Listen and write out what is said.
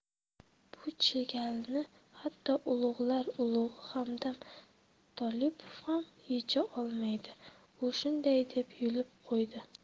bu chigalni hatto ulug'lar ulug'i hamdam tolipov ham yecha olmaydi u shunday deb kulib qo'ydi